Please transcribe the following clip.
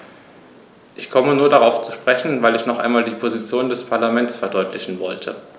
Ich komme nur darauf zu sprechen, weil ich noch einmal die Position des Parlaments verdeutlichen wollte.